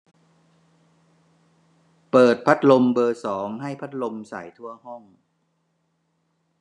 เปิดพัดลมเบอร์สองให้พัดลมส่ายทั่วห้อง